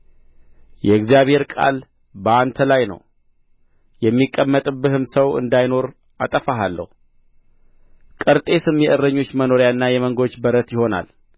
የእግዚአብሔር ቃል በአንተ ላይ ነው የሚቀመጥብህም ሰው እንዳይኖር አጠፋሃለሁ ቀርጤስም የእረኞች መኖሪያና የመንጎች በረት ይሆናል